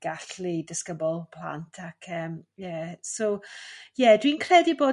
gallu disgybl plant ac yym ie so ie dwi'n credu bod